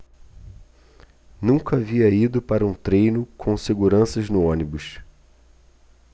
nunca havia ido para um treino com seguranças no ônibus